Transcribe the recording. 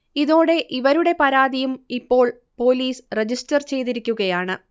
ഇതോടെ ഇവരുടെ പരാതിയും ഇപ്പോൾ പോലീസ് രജിസ്റ്റർ ചെയ്തിരിക്കുകയാണ്